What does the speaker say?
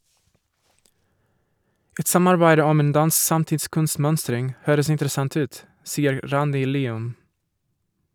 - Et samarbeid om en dansk samtidskunstmønstring høres interessant ut, sier Randi Lium.